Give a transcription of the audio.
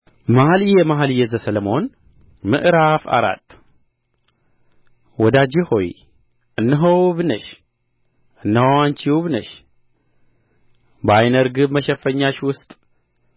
መኃልየ መኃልይ ዘሰሎሞን ምዕራፍ አራት ወዳጄ ሆይ እነሆ ውብ ነሽ እነሆ አንቺ ውብ ነሽ በዓይነ ርግብ መሸፈኛሽ ውስጥ